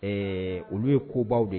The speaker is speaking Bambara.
Ɛɛ olu ye kobaww de ye